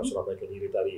A su kɛ tali ye